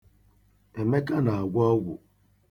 Emeka na-agwọ ọgwụ.